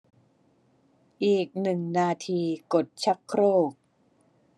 อีกหนึ่งนาทีกดชักโครก